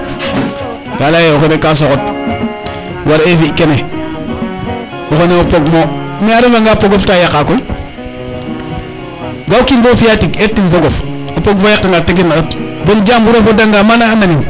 ka leya ye o xene ka soxod war e fi kene o xene o pog mo mais a refa nga pogof ta yaqa koy ga 'a o kin bo fiya tig etin fogof o pog fa yaqa nga tegen na ndat bon jambur a foda nga mana a nanin